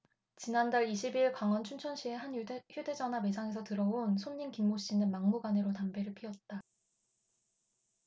지난달 이십 일 강원 춘천시의 한 휴대전화 매장에 들어온 손님 김모 씨는 막무가내로 담배를 피웠다